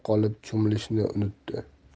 qolib cho'milishni unutdi